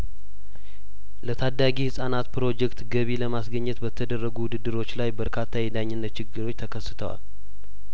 ለታዳጊ ህጻናት ፕሮጀክት ገቢ ለማስገኘት በተደረጉ ውድድሮች ላይ በርካታ የዳኝነት ችግሮች ተከስተዋል